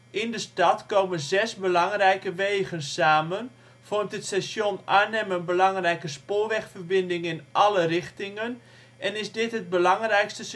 In de stad komen zes belangrijke wegen samen, vormt het Station Arnhem een belangrijke spoorwegverbinding in alle richtingen en is dit het belangrijkste